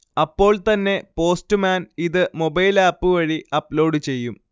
അപ്പോൾത്തന്നെ പോസ്റ്റ്മാൻ ഇത് മൊബൈൽആപ്പ് വഴി അപ്ലോഡ് ചെയ്യും